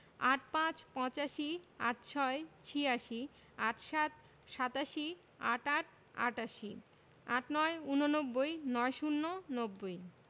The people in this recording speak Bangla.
৮৫ – পঁচাশি ৮৬ – ছিয়াশি ৮৭ – সাতাশি ৮৮ – আটাশি ৮৯ – ঊননব্বই ৯০ - নব্বই